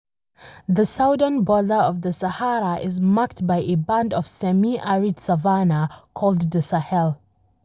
The southern border of the Sahara is marked by a band of semi-arid savanna called the Sahel.